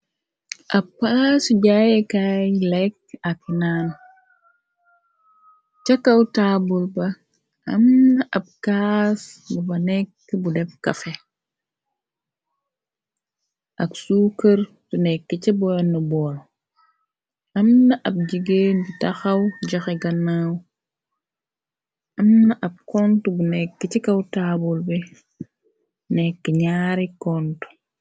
Ab paasu jaayekaay lekk ak naan cha kaw taabul ba amna ab kaas bu fa nekk bu def kafe ak suukër du nekk ca boonna boonu am na ab jigee di taxaw joxe gannaaw am na ab kont bu nekk ci kaw taabul bi nekk ñyaari kontu.